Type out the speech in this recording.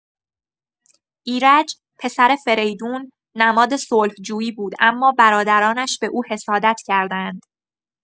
ایرج، پسر فریدون، نماد صلح‌جویی بود اما برادرانش به او حسادت کردند.